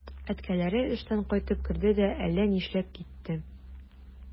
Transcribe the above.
Әткәләре эштән кайтып керде дә әллә нишләп китте.